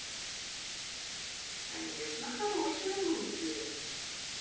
конечно хорошие мысли